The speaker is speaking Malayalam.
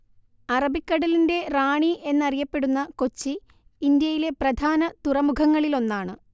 അറബിക്കടലിന്റെ റാണി എന്നറിയപ്പെടുന്ന കൊച്ചി ഇന്ത്യയിലെ പ്രധാന തുറമുഖങ്ങളിലൊന്നാണ്